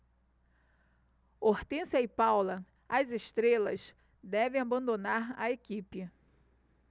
hortência e paula as estrelas devem abandonar a equipe